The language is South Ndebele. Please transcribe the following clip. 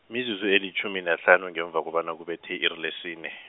mizuzu elitjhumi nahlanu ngemva kobana kubethe i-iri lesine.